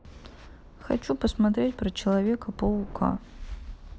хочу посмотреть про человека паука